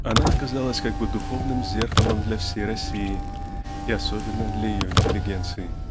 она оказалась как бы духовным зеркалом для всей России и особенно для ее интеллигенции.